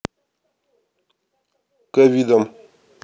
ковидом